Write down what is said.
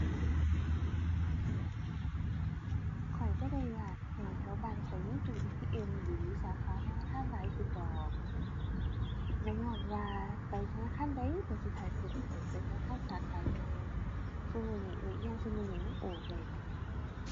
ข้อยบ่ได้อยากให้แถวบ้านข้อยมีตู้ ATM หรือสาขาธนาคารหลายขึ้นดอก ละญ้อนว่าไปธนาคารใดผลสุดท้ายเพิ่นก็ให้ขึ้นไปให้ธนาคารสาขาใหญ่ ซุมื้อนี้ นี่ อย่างซุมื้อนี้มันโอนได้แหม